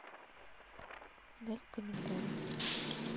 удали комментарий